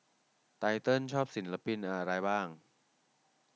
ไตเติ้ลชอบศิลปินอะไรบ้าง